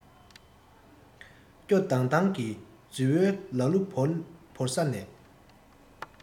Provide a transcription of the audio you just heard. སྐྱོ ལྡང ལྡང གི རྫི བོའི ལ གླུ བོར ས ནས